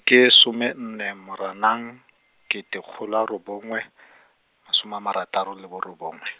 ke some nne Moranang , kete kgolo a robongwe, masome a marataro le borobongwe.